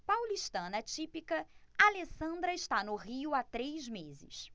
paulistana típica alessandra está no rio há três meses